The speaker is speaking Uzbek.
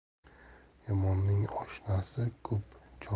yomonning oshnasi ko'p